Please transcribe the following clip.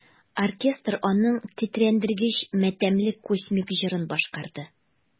Оркестр аның тетрәндергеч матәмле космик җырын башкарды.